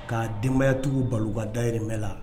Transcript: Ka denbayaya tugu balogan daymɛ la